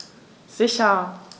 Sicher.